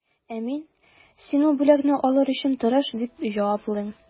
Ә мин, син ул бүләкне алыр өчен тырыш, дип җаваплыйм.